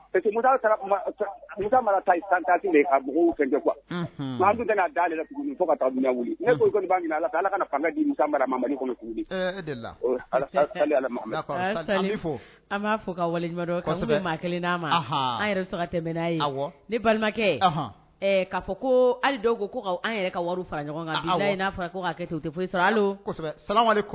A fɔ kelena an tɛmɛ balimakɛ' fɔ ko ali ko an yɛrɛ ka wari fara ɲɔgɔn kan